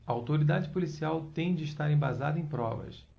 a autoridade policial tem de estar embasada em provas